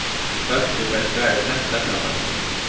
fólkið fær svarið seint seinnapartin